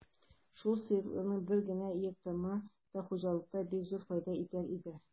Шул сыеклыкның бер генә йотымы да хуҗага бик зур файда итәр иде.